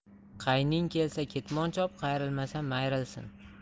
qayning kelsa ketmon chop qayrilmasa mayrilsin